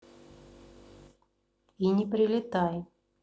и не прилетай